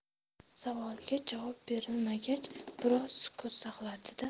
savoliga javob berilmagach biroz sukut saqladi da